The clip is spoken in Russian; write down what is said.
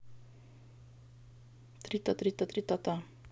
трита трита три та та